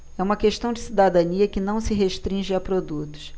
é uma questão de cidadania que não se restringe a produtos